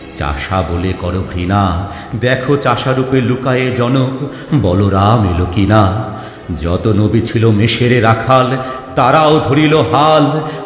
চাষা বলে কর ঘৃণা দেখো চাষা রূপে লুকায়ে জনক বলরাম এলো কি না যত নবী ছিল মেষের রাখাল তারাও ধরিল হাল